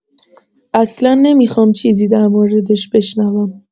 اصلا نمیخوام چیزی درموردش بشنوم.